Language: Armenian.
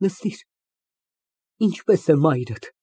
Նստիր, ինչպե՞ս է մայրդ։